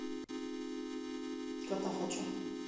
кота хочу